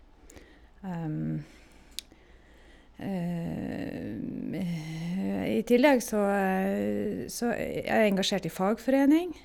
I tillegg så så er jeg engasjert i fagforening.